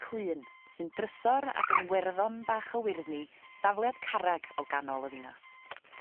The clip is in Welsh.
Clun sy'n drysor ac yn werddon fach o wyrddni dafliad carreg o ganol y ddinas.